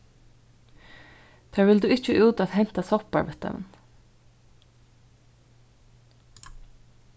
tær vildu ikki út at henta soppar við teimum